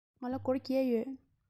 ང ལ སྒོར བརྒྱད ཡོད